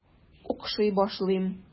Укшый башлыйм.